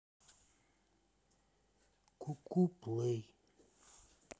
куку плей